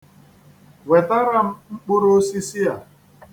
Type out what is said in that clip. Wetara m mkpụrụosisi a.